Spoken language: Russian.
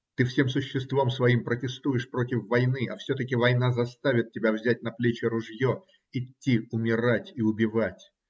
Ты всем существом своим протестуешь против войны, а все-таки война заставит тебя взять на плечи ружье, идти умирать и убивать.